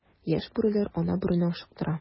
Яшь бүреләр ана бүрене ашыктыра.